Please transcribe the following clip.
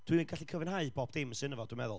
dwi'n gallu cyfiawnhau bob dim sydd ynddo fo, dwi'n meddwl.